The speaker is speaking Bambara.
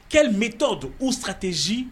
Quelle méthode ou stratégie